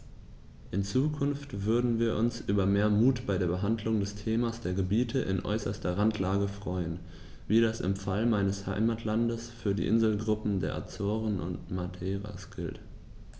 In Zukunft würden wir uns über mehr Mut bei der Behandlung des Themas der Gebiete in äußerster Randlage freuen, wie das im Fall meines Heimatlandes für die Inselgruppen der Azoren und Madeiras gilt.